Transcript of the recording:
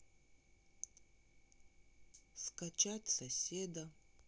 скачать соседа